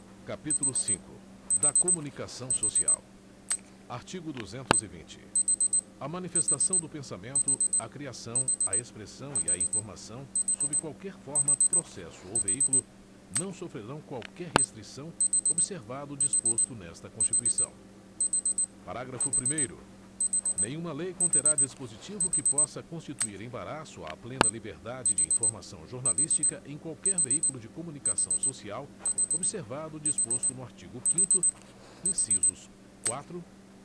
capítulo cinco da comunicação social artigo duzentos e vinte a manifestação do pensamento a criação a expressão e a informação sob qualquer forma processo ou veículo não sofrerão qualquer restrição observado o disposto nesta constituição parágrafo primeiro nenhuma lei conterá dispositivo que possa constituir embaraço à plena liberdade de informação jornalística em qualquer veículo de comunicação social observado o disposto no artigo quinto incisos quatro